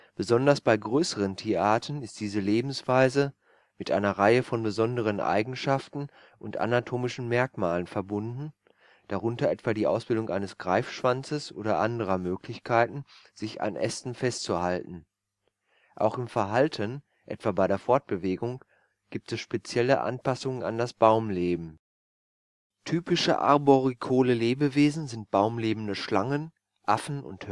Besonders bei größeren Tierarten ist diese Lebensweise mit einer Reihe von besonderen Eigenschaften und anatomischen Merkmalen verbunden, darunter etwa die Ausbildung eines Greifschwanzes oder anderer Möglichkeiten, sich an Ästen festzuhalten. Auch im Verhalten, etwa bei der Fortbewegung, gibt es spezielle Anpassungen an das Baumleben. Typische arboricole Lebewesen sind baumlebende Schlangen, Affen und